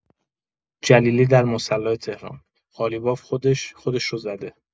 جلیلی در مصلی تهران: قالیباف خودش، خودش رو زده!